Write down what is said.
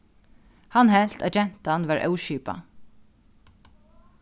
hann helt at gentan var óskipað